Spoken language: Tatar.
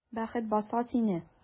Бәхет баса сине!